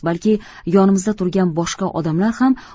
balki yonimizda turgan boshqa odamlar ham